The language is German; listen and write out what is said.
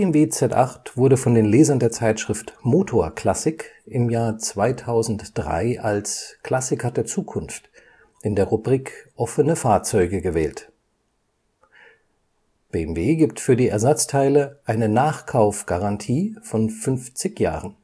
BMW Z8 wurde von den Lesern der Zeitschrift „ Motor Klassik “im Jahr 2003 als „ Klassiker der Zukunft “in der Rubrik „ Offene Fahrzeuge “gewählt. BMW gibt für die Ersatzteile eine Nachkaufgarantie von 50 Jahren